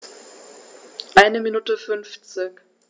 Eine Minute 50